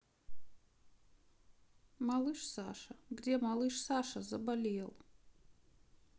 малыш саша где малыш саша заболел